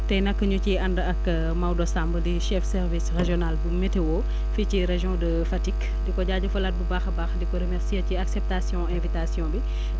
tey nag ñu ciy ànd ak Maodo Samb di chef service régional bu météo fii ci région de Fatick di ko jaajëfalaat bu baax a baax di ko remercier ci acceptation invitation bi